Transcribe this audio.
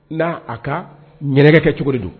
N a ka ɲɛnajɛɛnɛ kɛ cogo de don